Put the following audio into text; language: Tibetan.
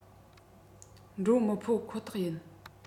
འགྲོ མི ཕོད ཁོ ཐག ཡིན